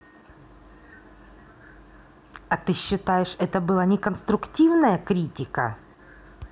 а ты считаешь это была неконструктивная критика